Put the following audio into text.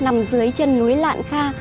nằm dưới chân núi lạn kha